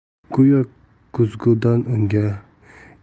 go'yo ko'zgudan unga